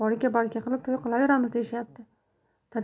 boriga baraka qilib to'y qilaveramiz deyishyapti